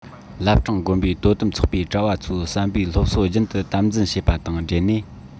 བླ བྲང དགོན པའི དོ དམ ཚོགས པས གྲྭ བ ཚོའི བསམ པའི སློབ གསོ རྒྱུན དུ དམ འཛིན བྱེད པ དང འབྲེལ ནས